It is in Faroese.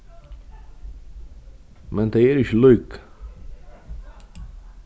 men tey eru ikki líka